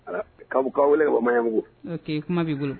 ' k' welemayabugu k' kuma b'i bolo